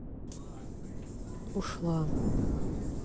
ушла